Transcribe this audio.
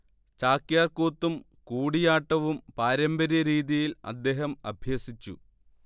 ചാക്യാർ കൂത്തും കൂടിയാട്ടവും പാരമ്പര്യ രീതിയിൽ അദ്ദേഹം അഭ്യസിച്ചു